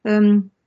yym